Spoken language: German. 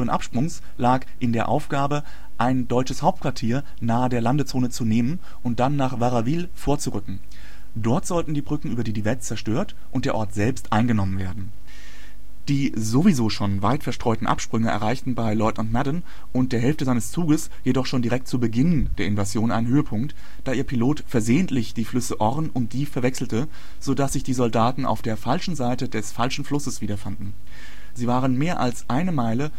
Absprungs lag in der Aufgabe ein deutsches Hauptquartier nahe der Landezone zu nehmen und dann nach Varaville vorzurücken. Dort sollten die Brücken über die Divette zerstört und der Ort selbst eingenommen werden. Offiziere der 6. Britischen Luftlandedivision bewachen am 7. Juni eine Straßenkreuzung bei Ranville Die sowieso schon weit verstreuten Absprünge erreichten bei Leutenant Madden und der Hälfte seines Zuges jedoch schon direkt zu Beginn der Invasion einen Höhepunkt, da ihr Pilot versehentlich die Flüsse Orne und Dives verwechselte, so dass sich die Soldaten auf der falschen Seite des falschen Flusses wieder fanden. Sie waren mehr als eine Meile